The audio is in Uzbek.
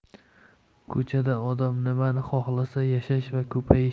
ko'chada odam nimani xohlasa yashash va ko'payish